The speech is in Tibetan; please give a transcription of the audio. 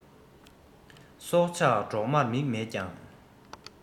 སྲོག ཆགས གྲོག མ མིག མེད ཀྱང